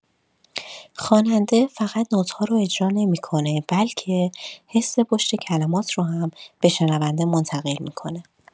خواننده فقط نت‌ها رو اجرا نمی‌کنه، بلکه حس پشت کلمات رو هم به شنونده منتقل می‌کنه.